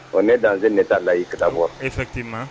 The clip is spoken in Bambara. Ɔ ne dan ne taa layi ka taa bɔ isa t'i ma